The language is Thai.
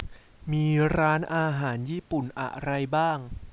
มีร้านอาหารญี่ปุ่นอะไรบ้าง